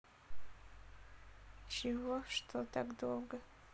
чего что так долго